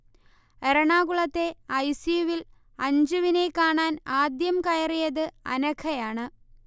എറണാകുളത്തെ I. C. U വിൽ അഞ്ജുവിനെ കാണാൻ ആദ്യം കയറിയത് അനഘയാണ്